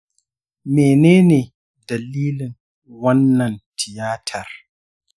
menene dalilin wannan tiyatar?